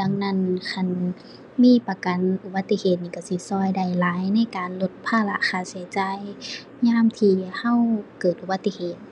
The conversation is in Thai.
ดังนั้น คันมีประกันอุบัติเหตุนี่ก็สิก็ได้หลายในการลดภาระค่าใช้จ่าย ยามที่ก็เกิดอุบัติเหตุ